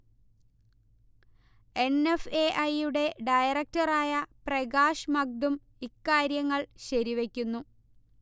N. F. A. I. യുടെ ഡയറക്ടറായ പ്രകാശ് മഗ്ദും ഇക്കാര്യങ്ങൾ ശരിവയ്ക്കുന്നു